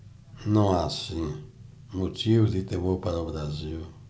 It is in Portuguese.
não há assim motivo de temor para o brasil